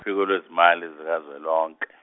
Phiko lwezimali zikaZwelonke.